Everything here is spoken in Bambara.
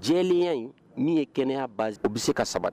Jɛlenya in min ye kɛnɛya base o bɛ se ka saba